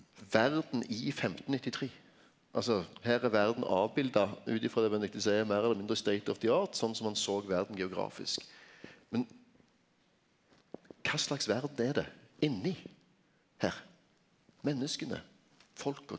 verda i 1593 altså her er verda avbilda ut ifrå det Benedicte seier meir eller mindre state-of-the-art sånn som ein så verda geografisk, men kva slags verd er det inni her, menneska, folka?